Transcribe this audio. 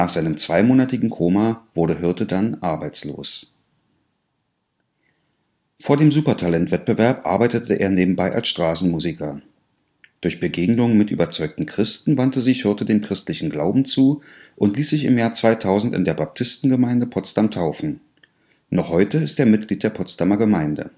seinem zweimonatigen Koma wurde Hirte arbeitslos, nebenbei arbeitete er vor dem Wettbewerb als Straßenmusiker. Durch Begegnungen mit überzeugten Christen wandte sich Hirte dem christlichen Glauben zu und ließ sich im Jahr 2000 in der Baptistengemeinde Potsdam taufen. Noch heute ist er Mitglied der Potsdamer Gemeinde